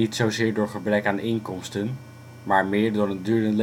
zozeer door gebrek aan inkomsten maar meer door een dure levensstijl